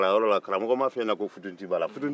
karamɔgɔ m'a fɔ e ɲɛna ko futunti b'a la